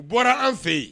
U bɔra an fe yen